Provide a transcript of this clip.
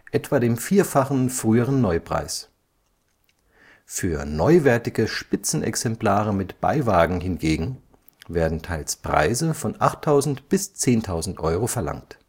etwa dem vierfachen früheren Neupreis. Für neuwertige Spitzenexemplare mit Beiwagen hingegen werden teils Preise von 8.000 bis 10.000 Euro verlangt